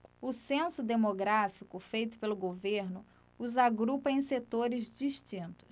o censo demográfico feito pelo governo os agrupa em setores distintos